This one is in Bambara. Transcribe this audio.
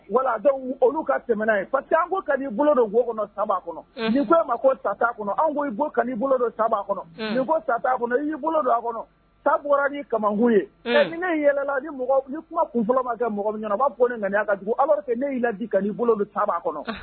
Wa olu ka tɛmɛɛna ye pa'i bolo don kɔnɔ san kɔnɔi ma ko ta kɔnɔ i'i bolo don kɔnɔ kɔnɔ i y'i bolo don a kɔnɔ bɔra kakun ye yɛlɛla kuma ma kɛ mɔgɔ min bɔ ka ala ne y'i la ka'i bolo don kɔnɔ